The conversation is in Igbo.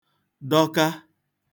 dọka